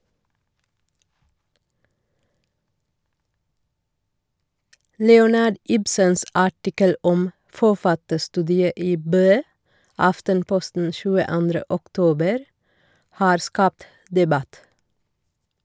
Leonard Ibsens artikkel om forfatterstudiet i Bø (Aftenposten 22. oktober) har skapt debatt.